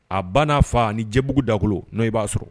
A ba n'a fa ni jɛbugu dakolo non i b'a sɔrɔ